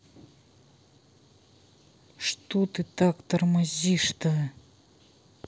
что ты так тормозишь то